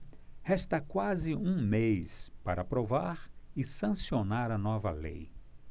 resta quase um mês para aprovar e sancionar a nova lei